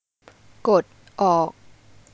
กดออก